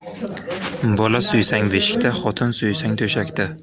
bola suysang beshikda xotin suysang to'shakda